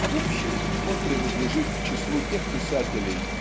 А в общем он принадлежит к числу тех писателей